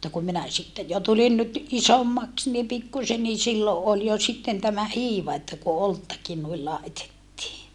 mutta kun minä sitten jo tulin nyt isommaksi niin pikkuisen niin silloin oli jo sitten tämä hiiva että kun oluttakin noin laitettiin